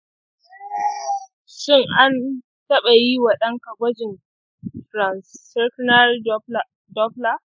shin an taɓa yi wa ɗanka gwajin transcranial doppler?